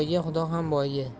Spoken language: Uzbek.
xudo ham boyga